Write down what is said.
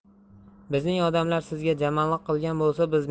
bizning odamlar sizga jamanliq qilgan